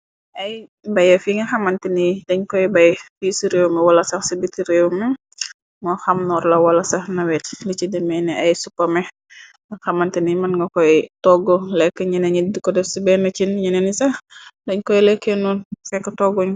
Ay baye fi nga xamant ni, dañ koy bay, fi si réew mi wala sax ci biti réew mi, moo xamnoor la wala sax naweet, li ci demeeni ay supame ng xamant ni mën nga koy togg lekk, ñene nid ko def ci benn cin, ñene ni sax dañ koy lekkennu sekk togg uno.